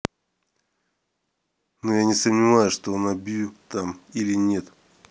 но я не сомневаюсь что я набью там или нет